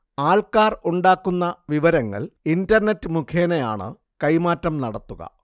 ആൾക്കാർ ഉണ്ടാക്കുന്ന വിവരങ്ങൾ ഇന്റർനെറ്റ് മുഖേനയാണ് കൈമാറ്റം നടത്തുക